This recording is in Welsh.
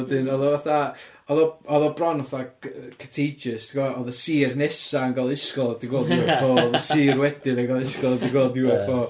wedyn oedd o fatha oedd o oedd o bron fatha c- contagious ti gwbod. Oedd y sir nesa'n gael ysgol oedd 'di gweld UFO Oedd y sir wedyn yn cael ysgol oedd 'di gweld UFO